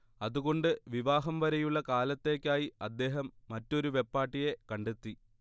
അതുകൊണ്ട് വിവാഹം വരെയുള്ള കാലത്തേയ്ക്കായി അദ്ദേഹം മറ്റൊരു വെപ്പാട്ടിയെ കണ്ടെത്തി